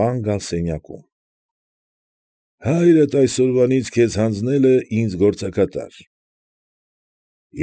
Ման գալ սենյակում, ֊ հայրդ այսօրվանից քեզ հանձնել է ինձ գործակատար։